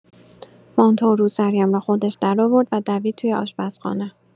مانتو و روسری‌ام را خودش درآورد و دوید توی آشپزخانه.